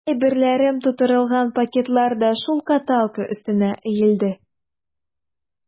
Әйберләрем тутырылган пакетлар да шул каталка өстенә өелде.